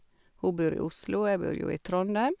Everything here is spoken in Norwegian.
Hun bor i Oslo, og jeg bor jo i Trondheim.